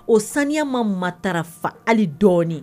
O saniya ma matarafa hali dɔɔnin.